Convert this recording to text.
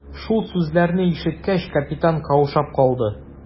Шул сүзләрне ишеткәч, капитан каушап калды.